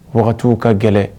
Waga wagatiw ka gɛlɛ